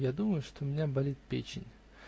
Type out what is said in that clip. Я думаю, что у меня болит печень.